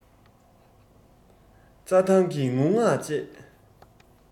རྩ ཐང གི ངུ ངག བཅས